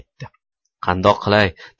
qandoq qilay